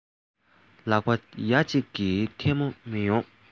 ལག པ ཡ གཅིག གིས ཐལ མོ མི ཡོང